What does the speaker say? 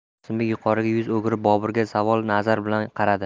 qosimbek yuqoriga yuz o'girib boburga savol nazari bilan qaradi